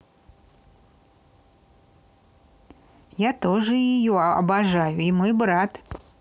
я тоже я ее обожаю и мой брат